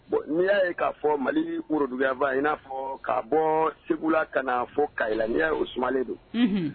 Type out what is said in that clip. Bon n'i y'a ye k'a fɔ mali woroduguyaba in n'afɔ k'a bɔ segula ka fɔ kala ni y'a o sumaumanalen don